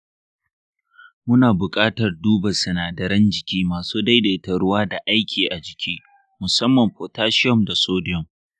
muna buƙatar duba sinadaran jiki masu daidaita ruwa da aiki a jiki musamman potassium da sodium.